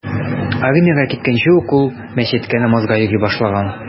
Армиягә киткәнче ук ул мәчеткә намазга йөри башлаган.